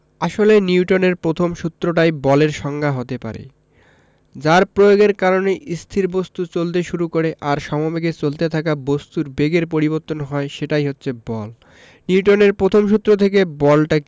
আসলে নিউটনের প্রথম সূত্রটাই বলের সংজ্ঞা হতে পারে যার প্রয়োগের কারণে স্থির বস্তু চলতে শুরু করে আর সমবেগে চলতে থাকা বস্তুর বেগের পরিবর্তন হয় সেটাই হচ্ছে বল নিউটনের প্রথম সূত্র থেকে বলটা